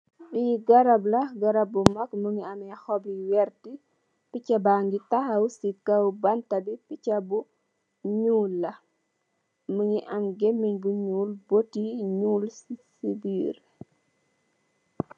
Li garab la garab bu mak mugi ameh hob yu werte picha ba gi tahaw si kaw banta bi picha bu nyul la mugi ameh gehmenj bu nyul bort nyu nyul si birr.